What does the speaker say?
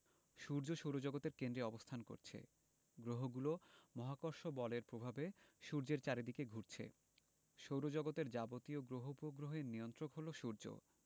সূর্য সৌরজগতের কেন্দ্রে অবস্থান করছে গ্রহগুলো মহাকর্ষ বলের প্রভাবে সূর্যের চারদিকে ঘুরছে সৌরজগতের যাবতীয় গ্রহ উপগ্রহের নিয়ন্ত্রক হলো সূর্য